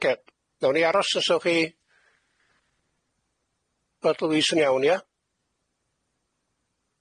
Oce. Nawn ni aros os aw chi fod Louise yn iawn ia?